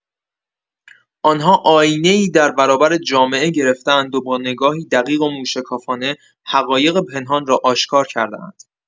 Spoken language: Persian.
آن‌ها آیینه‌ای در برابر جامعه گرفته‌اند و با نگاهی دقیق و موشکافانه، حقایق پنهان را آشکار کرده‌اند.